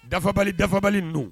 Dafabali dafabali don